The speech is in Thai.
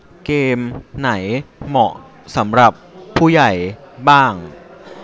เกมไหนเหมาะสำหรับผู้ใหญ่บ้าง